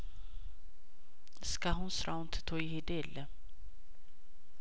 እስካሁን ስራውን ትቶ የሄደ የለም